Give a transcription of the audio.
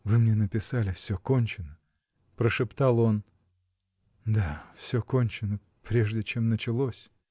-- Вы мне написали: все кончено, -- прошептал он, -- да, все кончено -- прежде чем началось.